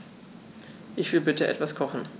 Ich will bitte etwas kochen.